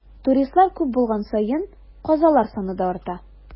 Туристлар күп булган саен, казалар саны да арта.